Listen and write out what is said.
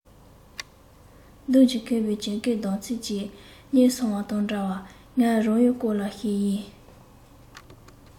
རྡུལ གྱིས ཁེངས པའི གྱོན གོས སྡོམ ཚིག ཅིག རྙེད སོང བ དང འདྲ བ ང རང ཡུལ སྐོར བ ཞིག ཡིན